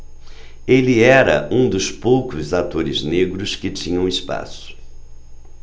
ele era um dos poucos atores negros que tinham espaço